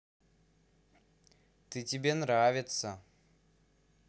ты тебе нравится